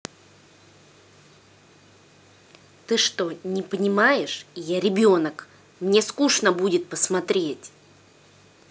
ты что не понимаешь я ребенок мне скучно будет посмотреть